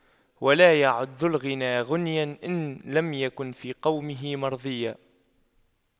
ولا يعد ذو الغنى غنيا إن لم يكن في قومه مرضيا